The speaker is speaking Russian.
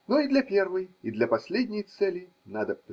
но и для первой, и для последней цели надо.